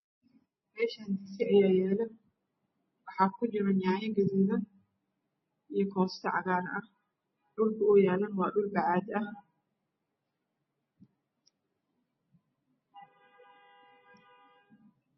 Meshan digsi aya yalo waxakujiro yayo gaduud ah io goosto cagar ah dhulka oow yalo waa dhul bacad ah